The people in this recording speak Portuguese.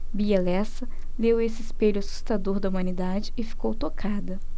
bia lessa leu esse espelho assustador da humanidade e ficou tocada